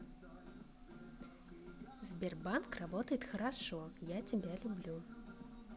сбербанк работает хорошо я тебя люблю